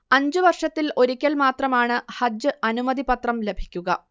അഞ്ചു വർഷത്തിൽ ഒരിക്കൽ മാത്രമാണ് ഹജ്ജ് അനുമതി പത്രം ലഭിക്കുക